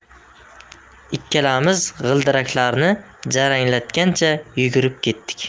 ikkalamiz g'ildiraklarni jaranglatgancha yugurib ketdik